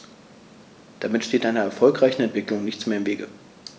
Damit steht einer erfolgreichen Entwicklung nichts mehr im Wege.